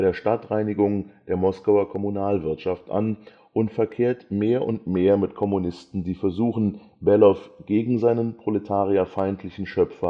Stadtreinigung der Moskauer Kommunalwirtschaft an und verkehrt mehr und mehr mit Kommunisten, die versuchen, Bellow gegen seinen proletarierfeindlichen Schöpfer auszuspielen